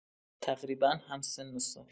تقریبا هم‌سن و سال